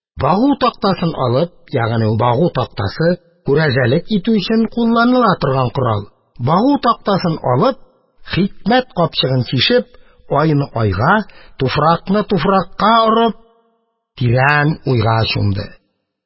Багу тактасын алып, ягъни багу тактасы - күрәзек өчен кулланыла торган корал. Багу тактасын алып, хикмәт капчыгын чишеп, айны — айга, туфракны туфракка орып, тирән уйга чумды.